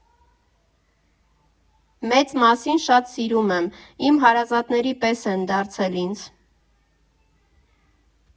Մեծ մասին շատ սիրում եմ, իմ հարազատների պես են դարձել ինձ։